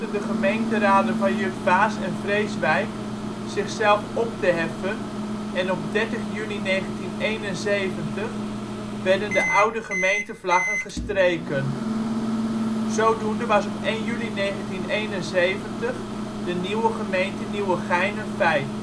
de gemeenteraden van Jutphaas en Vreeswijk zichzelf op te heffen en op 30 juni 1971 werden de oude gemeentevlaggen gestreken. Zodoende was op 1 juli 1971 de nieuwe gemeente Nieuwegein een feit